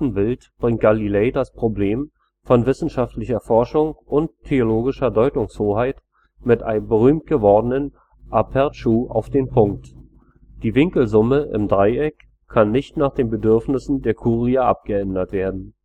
Bild bringt Galilei das Problem von wissenschaftlicher Forschung und theologischer Deutungshoheit mit einem berühmt gewordenen Aperçu auf den Punkt: „ Die Winkelsumme im Dreieck kann nicht nach den Bedürfnissen der Kurie abgeändert werden